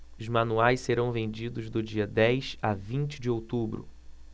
os manuais serão vendidos do dia dez a vinte de outubro